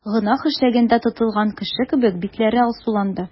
Гөнаһ эшләгәндә тотылган кеше кебек, битләре алсуланды.